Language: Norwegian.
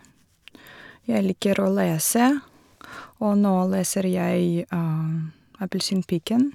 Jeg liker å lese, og nå leser jeg Appelsinpiken.